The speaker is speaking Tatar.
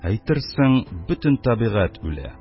Әйтерсең, бөтен табигать үлә